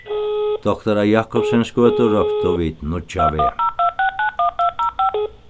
doktara jacobsens gøtu róptu vit nýggjaveg